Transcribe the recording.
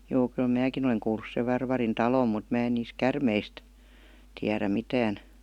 joo kyllä minäkin olen kuullut sen Varvarin talon mutta minä en niistä käärmeistä tiedä mitään